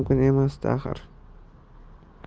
mumkin emasdi axir